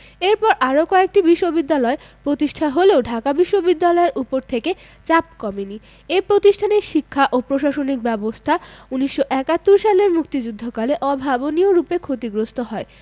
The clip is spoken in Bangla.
এরপর আরও কয়েকটি বিশ্ববিদ্যালয় প্রতিষ্ঠা হলেও ঢাকা বিশ্ববিদ্যালয়ের ওপর থেকে চাপ কমেনি এ প্রতিষ্ঠানের শিক্ষা ও প্রশাসনিক ব্যবস্থা ১৯৭১ সালের মুক্তিযুদ্ধকালে অভাবনীয়রূপে ক্ষতিগ্রস্ত হয়